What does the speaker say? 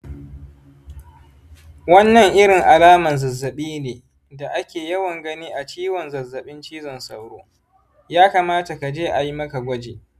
wannan irin alaman zazzabi ne da ake yawan gani a ciwon zazzabin cizon sauro, ya kamata ka je a yi maka gwaji.